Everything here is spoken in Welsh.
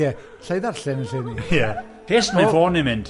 Ie, llai ddarllen yn lle ni… Ie, pissed neu fo'n i'n mynd.